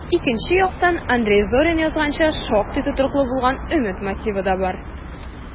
Икенче яктан, Андрей Зорин язганча, шактый тотрыклы булган өмет мотивы да бар: